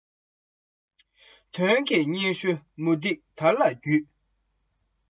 དོན གྱི སྙན ཞུ མུ ཏིག དར ལ བརྒྱུས